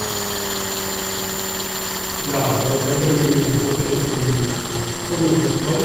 Ja, da tenkte jeg vi kunne snakke litt om Sogndal Fotball.